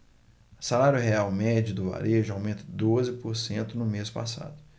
salário real médio do varejo aumenta doze por cento no mês passado